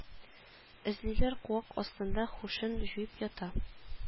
Эзлиләр куак астында һушын җуеп ята